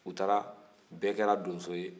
u taara bɛɛ kɛra donso ye